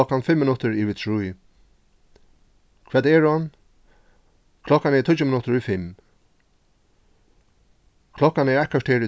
klokkan fimm minuttir yvir trý hvat er hon klokkan er tíggju minuttir í fimm klokkan er eitt korter í